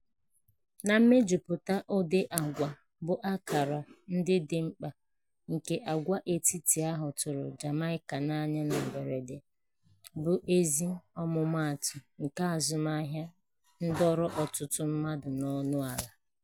Na mwepụta ụdị akwa bu ákàrà ndị dị mkpa nke agwaetiti ahụ tụrụ Jamaica n'anya na mberede bụ ezi ọmụmaatụ nke azụmahịa ndọrọ ọtụtụ mmadụ n'ọnụ ala.